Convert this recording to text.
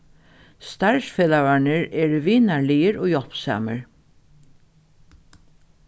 starvsfelagarnir eru vinarligir og hjálpsamir